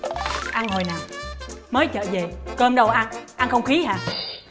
ăn hồi nào mới chợ về cơm đâu ăn ăn không khí hả